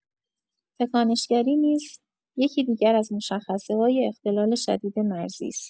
تکانشگری نیز یکی دیگر از مشخصه‌های اختلال شدید مرزی است.